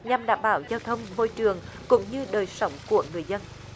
nhằm đảm bảo giao thông môi trường cũng như đời sống của người dân